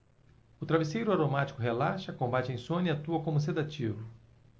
o travesseiro aromático relaxa combate a insônia e atua como sedativo